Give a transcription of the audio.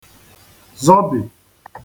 zọbì